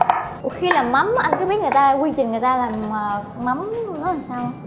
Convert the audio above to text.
khi làm mắm anh có biết người ta quy trình người ta làm mắm nó làm sao hông